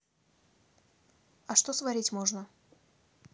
а что сварить можно